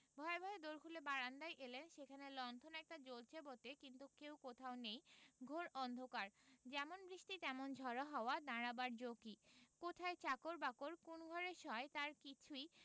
ভয়ে ভয়ে দোর খুলে বারান্দায় এলেন সেখানে লণ্ঠন একটা জ্বলচে বটে কিন্তু কেউ কোথাও নেই ঘোর অন্ধকার যেমন বৃষ্টি তেমনি ঝড়ো হাওয়া দাঁড়াবার জো কি কোথায় চাকর বাকর কোন্ ঘরে শোয় তারা কিছুই